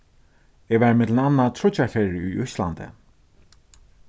eg var millum annað tríggjar ferðir í íslandi